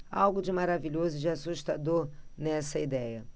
há algo de maravilhoso e de assustador nessa idéia